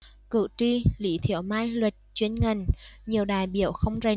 cử tri lý thiếu mai luật chuyên ngành nhiều đại biểu không rành